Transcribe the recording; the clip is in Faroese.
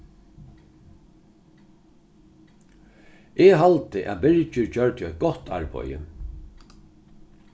eg haldi at birgir gjørdi eitt gott arbeiði